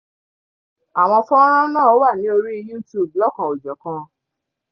Àwọn fọ́nràn náà wà ní orí YouTube lọ́kan-ò-jọ̀kan.